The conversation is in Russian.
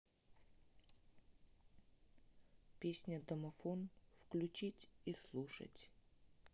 песня домофон включить и слушать